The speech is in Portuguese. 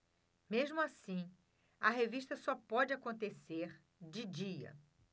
mesmo assim a revista só pode acontecer de dia